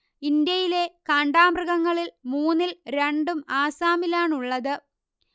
ഇന്ത്യയിലെ കാണ്ടാമൃഗങ്ങളിൽ മൂന്നിൽ രണ്ടും ആസാമിലാണുള്ളത്